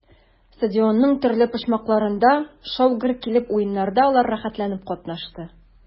Стадионның төрле почмакларында шау-гөр килеп уеннарда алар рәхәтләнеп катнашты.